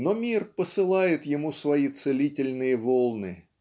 но мир посылает ему свои целительные волны